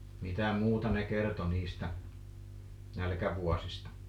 mitä muuta ne kertoi niistä nälkävuosista